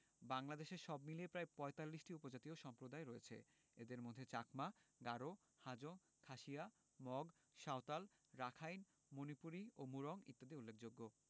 বাংলাদেশে সব মিলিয়ে প্রায় ৪৫টি উপজাতীয় সম্প্রদায় রয়েছে এদের মধ্যে চাকমা গারো হাজং খাসিয়া মগ সাঁওতাল রাখাইন মণিপুরী মুরং ইত্যাদি উল্লেখযোগ্য